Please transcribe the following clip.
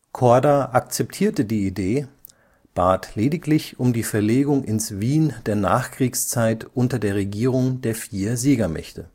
Korda akzeptierte die Idee, bat lediglich um die Verlegung ins Wien der Nachkriegszeit unter der Regierung der vier Siegermächte